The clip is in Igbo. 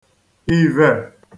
ìvè